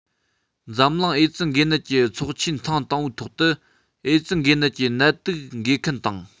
འཛམ གླིང ཨེ ཙི འགོས ནད ཀྱི ཚོགས ཆེན ཐེངས དང པོའི ཐོག ཏུ ཨེ ཙི འགོས ནད ཀྱི ནད དུག འགོས མཁན དང